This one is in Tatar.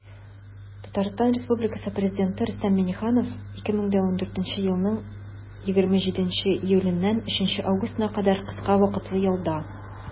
Татарстан Республикасы Президенты Рөстәм Миңнеханов 2014 елның 27 июленнән 3 августына кадәр кыска вакытлы ялда.